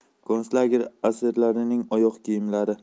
konslager asirlarining oyoq kiyimlari